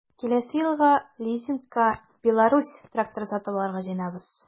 Киләсе елга лизингка “Беларусь” тракторы сатып алырга җыенабыз.